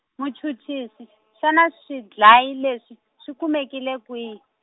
Muchuchisi, xana swidlayi leswi, swi kumekile kwihi?